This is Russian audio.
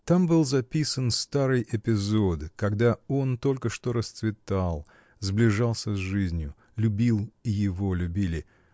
Там был записан старый эпизод, когда он только что расцветал, сближался с жизнью, любил и его любили.